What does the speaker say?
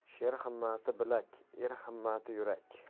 sher himmati bilak er himmati yurak